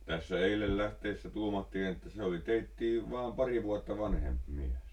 tässä eilen lähtiessä tuumattiin että se oli teitä vain pari vuotta vanhempi mies